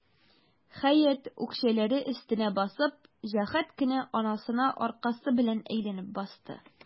Хәят, үкчәләре өстенә басып, җәһәт кенә анасына аркасы белән әйләнеп басты.